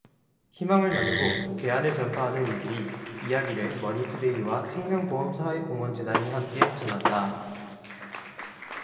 희망을 나누고 대안을 전파하는 이들의 이야기를 머니투데이와 생명보험사회공헌재단이 함께 전한다